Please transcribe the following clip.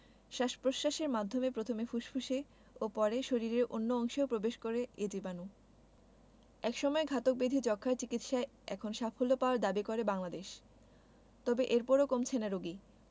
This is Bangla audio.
শ্বাস প্রশ্বাসের মাধ্যমে প্রথমে ফুসফুসে ও পরে শরীরের অন্য অংশেও প্রবেশ করে এ জীবাণু একসময়ের ঘাতক ব্যাধি যক্ষ্মার চিকিৎসায় এখন সাফল্য পাওয়ার দাবি করে বাংলাদেশ তবে এরপরও কমছে না রোগী